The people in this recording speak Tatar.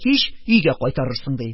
Кич өйгә кайтарырсын, - ди.